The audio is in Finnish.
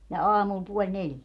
ja aamulla puoli neljä